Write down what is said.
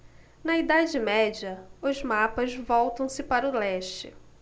na idade média os mapas voltam-se para o leste